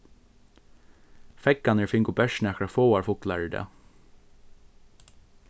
feðgarnir fingu bert nakrar fáar fuglar í dag